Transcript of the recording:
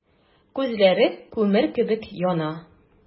Күзләре күмер кебек яна.